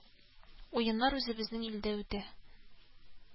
Очраклы хәлме бу?.